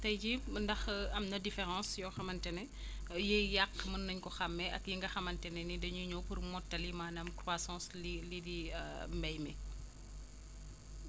tey jii mën ndax am na différence yoo xamante ne yiy yàq mën nañu ko xàmme ak yi nga xamante ne ni dañuy ñëw pour motali maanaam croissance lii di mbéy mi